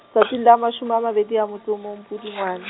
tsatsing la mashome a mabedi a motso o mong, Pudungwane.